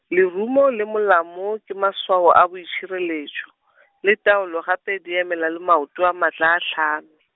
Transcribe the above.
lerumo le molamo ke maswao a boitšhireletšo , le taolo gape di emela le maoto a maatla a tlhame.